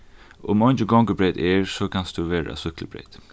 um eingin gongubreyt er so kanst tú vera á súkklubreyt